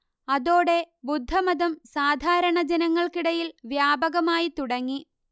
അതോടെ ബുദ്ധമതം സാധാരണ ജനങ്ങൾക്കിടയിൽ വ്യാപകമായിത്തുടങ്ങി